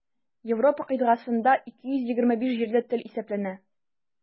Европа кыйтгасында 225 җирле тел исәпләнә.